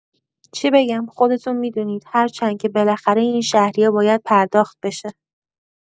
چی بگم خودتون می‌دونید هرچند که بلاخره این شهریه باید پرداخت بشه